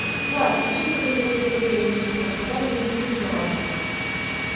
Бар, ишек төбендәге теге яньчек машинадан минем төенне алып кер!